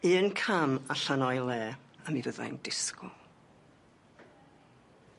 Un cam allan o'i le a mi fyddai'n disgwl.